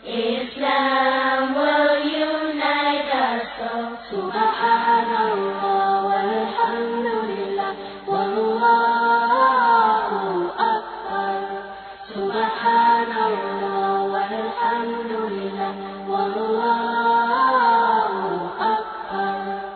Mɔgɔ yo wa wa le wa